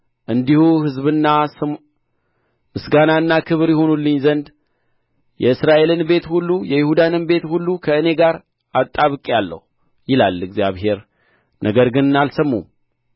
እንዲሁ ሕዝብና ስም ምስጋናና ክብር ይሆኑልኝ ዘንድ የእስራኤልን ቤት ሁሉ የይሁዳንም ቤት ሁሉ ከእኔ ጋር አጣብቄአለሁ ይላል እግዚአብሔር ነገር ግን አልሰሙም